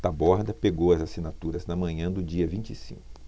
taborda pegou as assinaturas na manhã do dia vinte e cinco